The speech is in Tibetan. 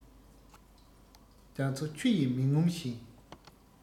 རྒྱ མཚོ ཆུ ཡིས མི ངོམས ཤིང